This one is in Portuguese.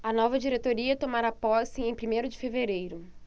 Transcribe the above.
a nova diretoria tomará posse em primeiro de fevereiro